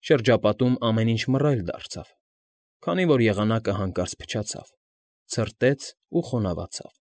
Շրջապատում ամեն ինչ մռայլ դարձավ, քանի որ եղանակը հանկարծ փչացավ, ցրտեց ու խոնավացավ։